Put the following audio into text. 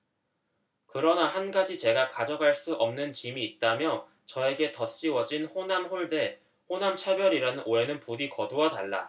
그러나 한 가지 제가 가져갈 수 없는 짐이 있다며 저에게 덧씌워진 호남홀대 호남차별이라는 오해는 부디 거두어 달라